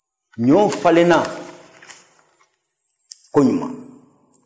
ɲɔw falenna koɲuman